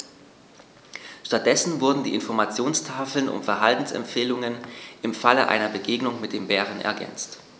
Stattdessen wurden die Informationstafeln um Verhaltensempfehlungen im Falle einer Begegnung mit dem Bären ergänzt.